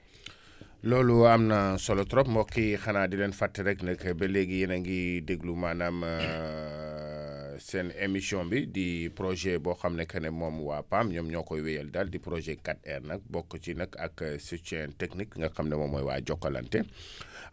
loolu am na solo trop mbokk yi xanaa di leen fàttali rek que ne ba léegi yéen a ngi déglu maanaam seen émission bi di projet boo xam ne que ne moom waa PAM ñoom ñoo koy wéyal daal di projet 4R la nag bokk ci nag ak soutien technique nga xam ne moom mooy waa Jokalante